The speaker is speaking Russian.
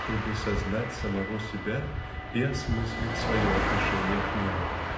чтобы сознать самого себя и осмыслить свое отношение к миру